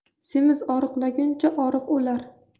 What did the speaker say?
semiz oriqlaguncha oriq o'lar